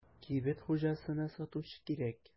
Кибет хуҗасына сатучы кирәк.